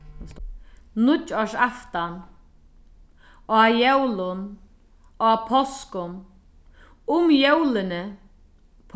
nýggjársaftan á jólum á páskum um jólini